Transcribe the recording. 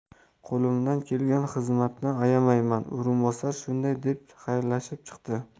qo'limdan kelgan xizmatni ayamayman o'rinbosar shunday deb xayrlashib chiqdi